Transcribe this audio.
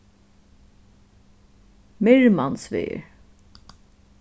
mirmansvegur